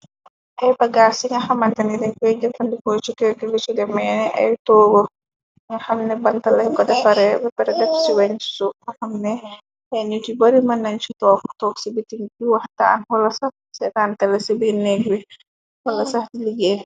Ay bagaas ci nga xamatani dañ koy jëfandikoo ci kerkeli ci jameene ay toowur ña xamne banta lañ ko defare ba peredeb ci weñ sub axamne yannu ti bari mën nañ cu toofu toog ci bitin bi wax taan wala sax setantela ci bi negg we wala sax di liggéey.